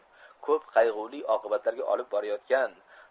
ko'p qayg'uli oqibatlarga olib borayotgan